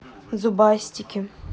зубастики